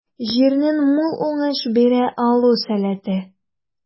Җирнең мул уңыш бирә алу сәләте.